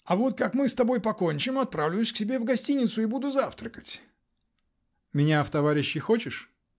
а вот как мы с тобой покончим, отправлюсь к себе в гостиницу и буду завтракать .-- Меня в товарищи -- хочешь?